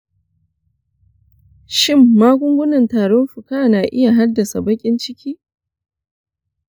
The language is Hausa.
shin magungunan tarin fuka na iya haddasa ɓarin ciki?